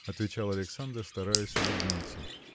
– отвечал Александр, стараясь улыбнуться.